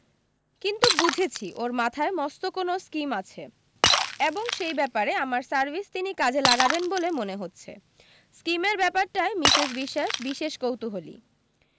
কিন্তু বুঝেছি ওর মাথায় মস্ত কোন স্কীম আছে এবং সেই ব্যাপারে আমার সার্ভিস তিনি কাজে লাগাবেন বলে মনে হচ্ছে স্কীমের ব্যাপারটায় মিসেস বিশোয়াস বিশেষ কুতুহলী